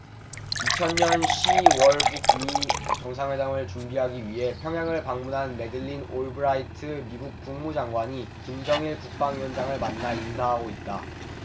이천 년 시 월 북 미 정상회담을 준비하기 위해 평양을 방문한 매들린 올브라이트 미국 국무장관이 김정일 국방위원장을 만나 인사하고 있다